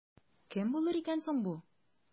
Кем булыр икән соң бу?